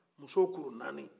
musow kuru naani